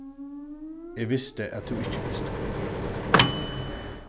eg visti at tú ikki visti